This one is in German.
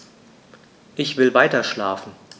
Ich will weiterschlafen.